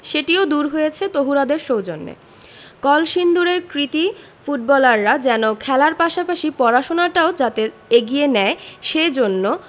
সেটিও দূর হয়েছে তহুরাদের সৌজন্যে কলসিন্দুরের কৃতী ফুটবলাররা যেন খেলার পাশাপাশি পড়াশোনাটাও যাতে এগিয়ে নেয় সে জন্য